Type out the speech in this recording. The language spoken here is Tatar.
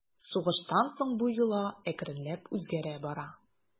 Сугыштан соң бу йола әкренләп үзгәрә бара.